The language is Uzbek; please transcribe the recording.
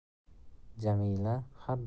jamila har doim unga yaqinlab